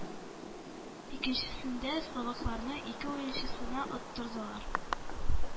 Икенчесендә словакларны ике уенчысына оттырдылар.